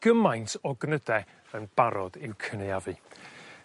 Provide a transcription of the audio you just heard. gymaint o gnyde yn barod i'w cynaeafu.